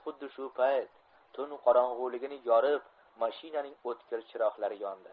xuddi shu payt tun qorong'iligini yorib mashinaning o'tkir chiroqlari yondi